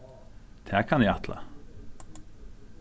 tað kann eg ætla